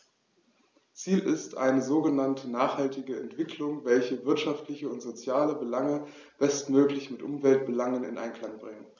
Ziel ist eine sogenannte nachhaltige Entwicklung, welche wirtschaftliche und soziale Belange bestmöglich mit Umweltbelangen in Einklang bringt.